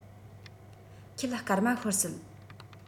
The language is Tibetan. ཁྱེད སྐར མ ཤོར སྲིད